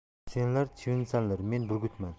senlar chivinsanlar men burgutman